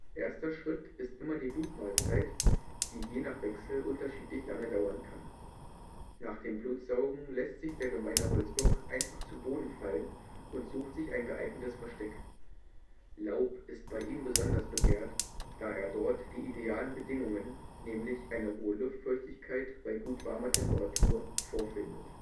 Erster Schritt ist immer die Blutmahlzeit, die je nach Wechsel unterschiedlich lange dauern kann. Nach dem Blutsaugen lässt sich der Gemeine Holzbock einfach zu Boden fallen und sucht sich ein geeignetes Versteck. Laub ist bei ihm besonders begehrt, da er dort die idealen Bedingungen, nämlich eine hohe Luftfeuchtigkeit bei gut warmer Temperatur, vorfindet